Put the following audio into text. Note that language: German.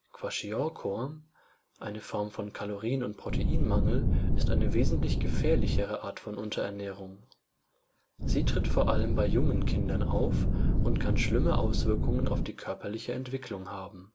Kwashiorkor, eine Form von Kalorien - und Proteinmangel, ist eine wesentlich gefährlichere Art von Unterernährung. Sie tritt vor allem bei jungen Kindern auf und kann schlimme Auswirkungen auf die körperliche Entwicklung haben